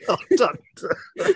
Oh, don't!